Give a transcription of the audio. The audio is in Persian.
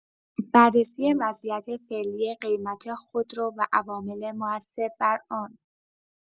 بررسی وضعیت فعلی قیمت خودرو و عوامل مؤثر بر آن